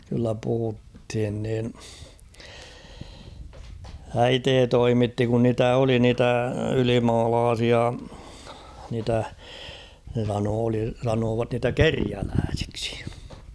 kyllä puhuttiin niin äiti toimitti kun niitä oli niitä ylimaalaisia niitä ne sanoivat oli sanoivat niitä kerjäläisiksi